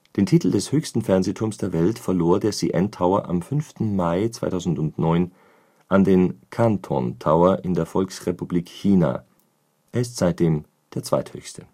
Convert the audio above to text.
Den Titel des höchsten Fernsehturms der Welt verlor der CN Tower am 5. Mai 2009 an den Canton Tower in der Volksrepublik China; er ist seitdem der zweithöchste